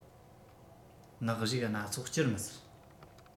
ནག གཞུག སྣ ཚོགས བསྐྱུར མི སྲིད